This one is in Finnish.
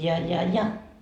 ja ja ja